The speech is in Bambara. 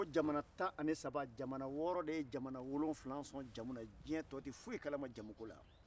o jamana tan ni saba jamana wɔɔrɔ de ye jamana wolonwula sɔn jamu na diɲɛ tɔ tɛ fosi kalama jamuko la